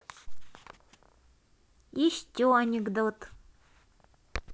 еще анекдот